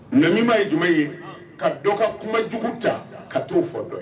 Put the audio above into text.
Naba ye jumɛn ye ka dɔ ka kuma jugu ta ka t'o fɔ dɔn